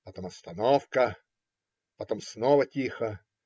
Потом остановка, потом скова тихо